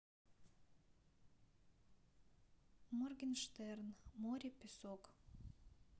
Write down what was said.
моргенштерн море песок